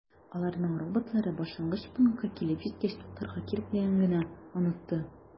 Аларның роботлары башлангыч пунктка килеп җиткәч туктарга кирәклеген генә “онытты”.